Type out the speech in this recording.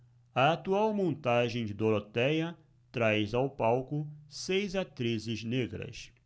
a atual montagem de dorotéia traz ao palco seis atrizes negras